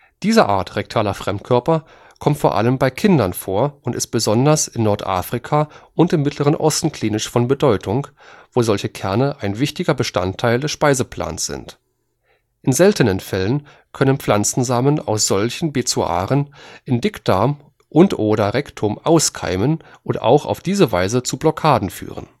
Diese Art rektaler Fremdkörper kommt vor allem bei Kindern vor und ist besonders in Nordafrika und im Mittleren Osten klinisch von Bedeutung, wo solche Kerne ein wichtiger Bestandteil des Speiseplans sind. In seltenen Fällen können Pflanzensamen aus solchen Bezoaren in Dickdarm und/oder Rektum auskeimen und auch auf diese Weise zu Blockaden führen